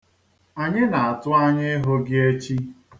Anyị na-atụ anya ịhụ gị echi.